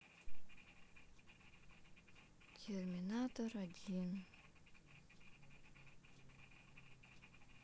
терминатор один